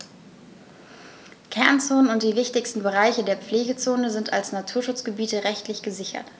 Kernzonen und die wichtigsten Bereiche der Pflegezone sind als Naturschutzgebiete rechtlich gesichert.